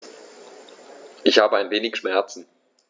Ich habe ein wenig Schmerzen.